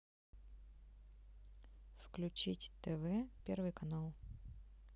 включить тв первый канал